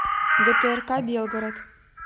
гтрк белгород